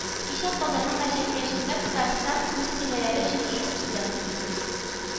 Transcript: Кичә Казанның Мәрҗани мәчетендә Татарстан мөслимәләре җыелышы узды